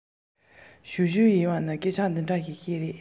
བྱིལ བྱིལ བྱེད ཀྱིན འདི ལྟར བཤད